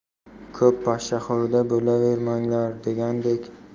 ko'p pashshaxo'rda bo'lavermanglar degandek